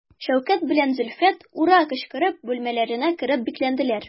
Шәүкәт белән Зөлфәт «ура» кычкырып бүлмәләренә кереп бикләнделәр.